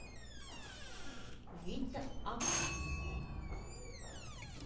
витя ак